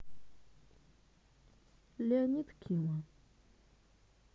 леонид кимо